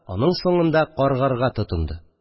Аның соңында каргарга тотынды